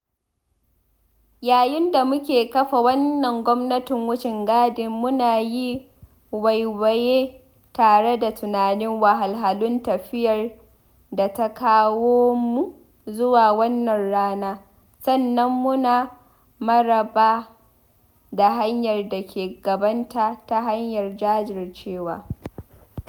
Yayin da muke kafa wannan gwamnatin wucin gadi, muna yi waiwaye tare da tunanin wahalhalun tafiyar da ta kawo mu zuwa wannan rana, sannan muna maraba da hanyar da ke gabanta ta hanyar jajircewa.